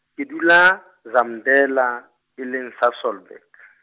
ke dula Zamdela, e leng Sasolburg.